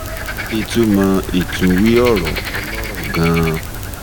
Ìtúmọ̀ Ìtúnwí-ọ̀rọ̀ Ọlọ́rọ̀ gan-an